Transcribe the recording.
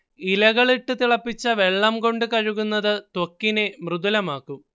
ഇലകളിട്ട തിളപ്പിച്ച വെള്ളം കൊണ്ടു കഴുകുന്നത് ത്വക്കിനെ മൃദുലമാക്കും